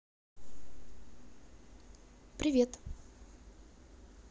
привет